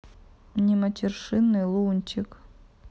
нематершинный лунтик